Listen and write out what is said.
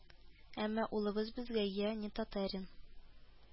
Әмма улыбыз безгә Я не татарин